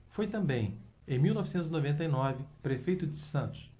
foi também em mil novecentos e setenta e nove prefeito de santos